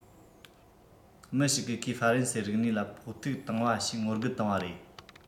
མི ཞིག གིས ཁོས ཧྥ རན སིའི རིག གནས ལ ཕོག ཐུག བཏང བ ཞེས ངོ རྒོལ བཏང བ རེད